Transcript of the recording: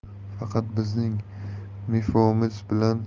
faqat bizning mfo imiz bilan ishlolmaganligi sababli